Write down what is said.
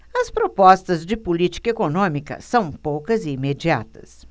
as propostas de política econômica são poucas e imediatas